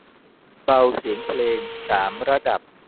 เบาเสียงเพลงสามระดับ